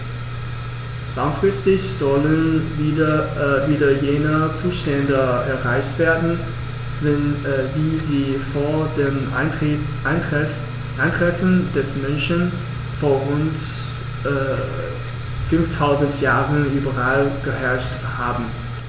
Langfristig sollen wieder jene Zustände erreicht werden, wie sie vor dem Eintreffen des Menschen vor rund 5000 Jahren überall geherrscht haben.